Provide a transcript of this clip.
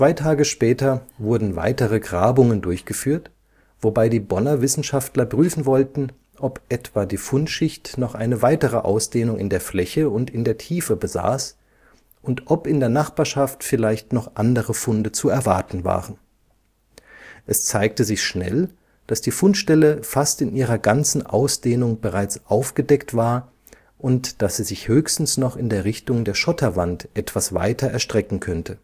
Tage später wurden weitere Grabungen durchgeführt, wobei die Bonner Wissenschaftler prüfen wollten, ob etwa die Fundschicht noch eine weitere Ausdehnung in der Fläche und in der Tiefe besaß und ob in der Nachbarschaft vielleicht noch andere Funde zu erwarten waren. Es zeigte sich schnell, dass die Fundstelle fast in ihrer ganzen Ausdehnung bereits aufgedeckt war und dass sie sich höchstens noch in der Richtung der Schotterwand etwas weiter erstrecken könnte